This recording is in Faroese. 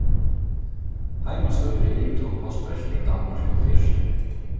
heimastýrið yvirtók postverkið frá danmark í hálvfjerðsunum